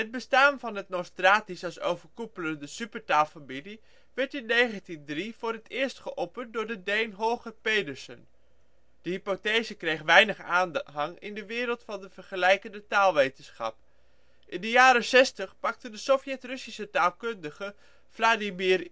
bestaan van het Nostratisch als overkoepelende supertaalfamilie werd in 1903 voor het eerst geopperd door de Deen Holger Pedersen. De hypothese kreeg weinig aanhang in de wereld van de vergelijkende taalwetenschap. In de jaren ' 60 pakte de Sovjetrussische taalkundige Vladimir